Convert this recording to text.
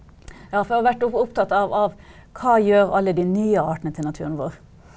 ja, for jeg har vært opptatt av av hva gjør alle de nye artene til naturen vår?